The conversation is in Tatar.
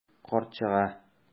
Карт чыга.